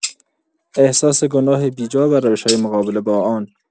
احساس گناه بی‌جا و روش‌های مقابله با آن